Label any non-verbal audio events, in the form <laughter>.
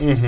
<hesitation> <hesitation>